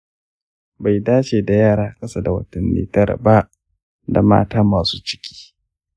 bai dace da yara kasa da watanni tara ba da mata masu ciki